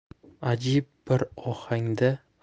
ajib bir ohangda